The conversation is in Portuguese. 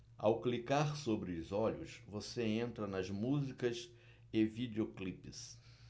ao clicar sobre os olhos você entra nas músicas e videoclipes